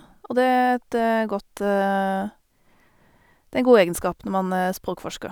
Og det er et godt det er en god egenskap når man er språkforsker.